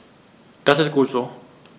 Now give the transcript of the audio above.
Das ist gut so.